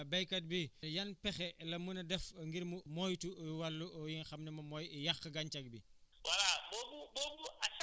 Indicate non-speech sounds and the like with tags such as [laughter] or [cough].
mais loolu yëpp boo ko boolee [hesitation] béykat bi yan pexe la mën a def ngir mu moytu [hesitation] wàllu yi nga xam ne moom mooy yàq gàncax bi